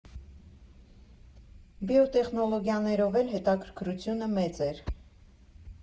Բիոտեխնոլոգիաներով էլ հետաքրքրությունը մեծ էր։